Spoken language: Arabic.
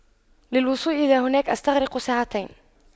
للوصول إلى هناك استغرق ساعتين